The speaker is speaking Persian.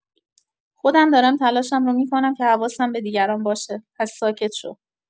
خودم دارم تلاشم رو می‌کنم که حواسم به دیگران باشه، پس ساکت شو!